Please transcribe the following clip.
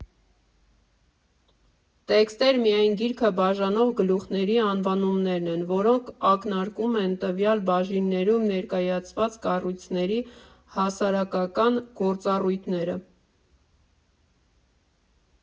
Տեքստեր միայն գիրքը բաժանող գլուխների անվանումներն են, որոնք ակնարկում են տվյալ բաժիններում ներկայացված կառույցների հասարակական գործառույթները։